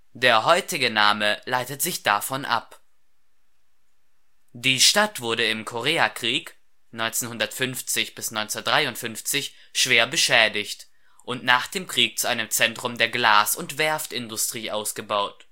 Der heutige Name leitet sich davon ab. Die Stadt wurde im Koreakrieg (1950 – 1953) schwer beschädigt und nach dem Krieg zu einem Zentrum der Glas - und Werftindustrie ausgebaut